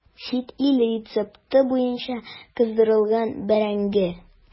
Чит ил рецепты буенча кыздырылган бәрәңге.